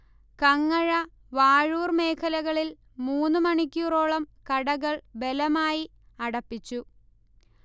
കങ്ങഴ, വാഴൂർ മേഖലകളിൽ മൂന്നു മണിക്കൂറോളം കടകൾ ബലമായി അടപ്പിച്ചു